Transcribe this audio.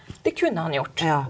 det kunne han gjort.